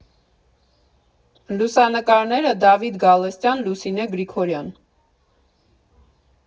Լուսանկարները՝ Դավիթ Գալստյան, Լուսինե Գրիգորյան։